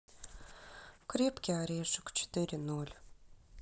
крепкий орешек четыре ноль